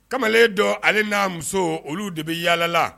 Kamalen dɔ ali n'a muso olu de bɛ yaalala